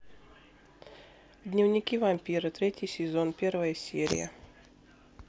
дневники вампира третий сезон первая серия